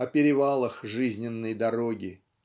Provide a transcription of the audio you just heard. о перевалах жизненной дороги.